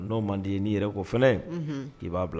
N'o man di ye n'i yɛrɛ ko f i b'a bila